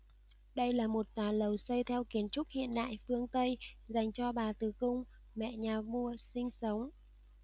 đây là một tòa lầu xây theo kiến trúc hiện đại phương tây dành cho bà từ cung mẹ nhà vua sinh sống